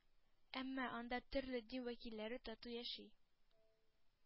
Әмма анда төрле дин вәкилләре тату яши.